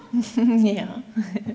ja .